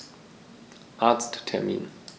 Arzttermin